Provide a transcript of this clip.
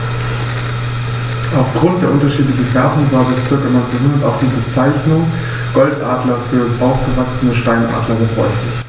Auf Grund der unterschiedlichen Färbung war bis ca. 1900 auch die Bezeichnung Goldadler für ausgewachsene Steinadler gebräuchlich.